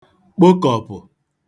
kpokọ̀pụ̀